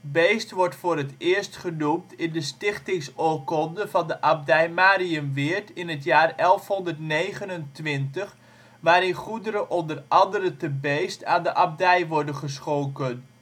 Beesd (Bisde/Beest) wordt voor het eerst genoemd in de stichtingsoorkonde van de abdij Mariënweerd in het jaar 1129, waarin goederen onder andere te Beesd aan de abdij worden geschonken